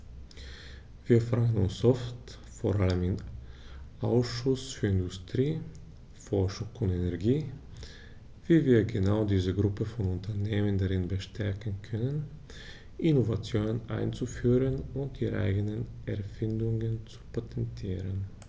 Wir fragen uns oft, vor allem im Ausschuss für Industrie, Forschung und Energie, wie wir genau diese Gruppe von Unternehmen darin bestärken können, Innovationen einzuführen und ihre eigenen Erfindungen zu patentieren.